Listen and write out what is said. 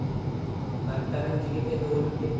battarin jigit edi o'lib ketdima